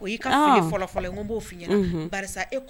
Ko i ka fa fɔlɔfɔlɔ n b'o f'i ɲɛna